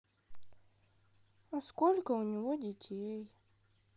а сколько у него детей